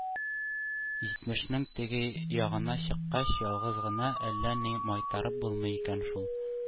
Җитмешнең теге ягына чыккач, ялгыз гына әллә ни майтарып булмый икән шул.